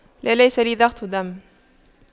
لا ليس لي ضغط دم